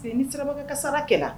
Sen nimakɛ kara kɛlɛ